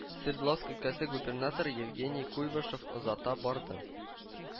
Свердловск өлкәсе губернаторы Евгений Куйвашев озата барды